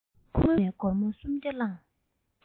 དངུལ ཁུག ནས སྒོར མོ གསུམ བརྒྱ བླངས